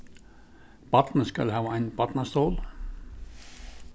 barnið skal hava ein barnastól